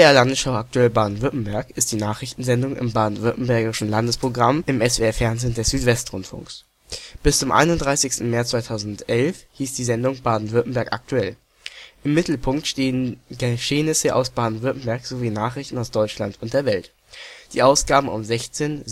Landesschau aktuell Baden-Württemberg ist die Nachrichtensendung im baden-württembergischen Landesprogramm im SWR Fernsehen des Südwestrundfunks. Bis zum 31. März 2011 hieß die Sendung „ Baden-Württemberg aktuell “. Im Mittelpunkt stehen Geschehnisse aus Baden-Württemberg sowie Nachrichten aus Deutschland und der Welt. Die Ausgaben um 16.00